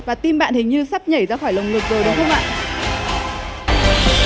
và tim bạn hình như sắp nhảy ra khỏi lồng ngực rồi đúng không